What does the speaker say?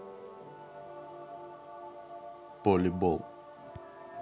polyball